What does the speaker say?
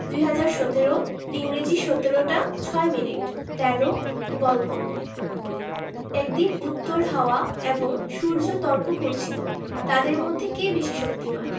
২০১৭ ইংরেজি ১৭ টা ৬ মিনিট ১৩ গল্প একদিন উত্তর হাওয়া এবং সূর্য তর্ক করছিল তাদের মধ্যে কে বেশি শক্তিমান